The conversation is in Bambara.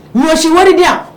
Ɲɔsi wari diya